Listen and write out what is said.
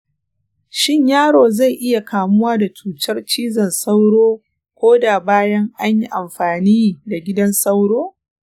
shin yaro zai iya kamuwa da cutar cizon sauro koda bayan an yi amfani da gidan sauro?